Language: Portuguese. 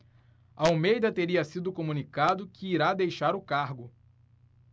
almeida teria sido comunicado que irá deixar o cargo